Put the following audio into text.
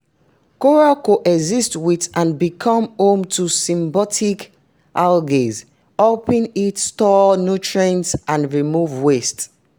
Corals coexist with and become home to symbiotic algae, helping it store nutrients and remove waste.